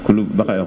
Bakhayokho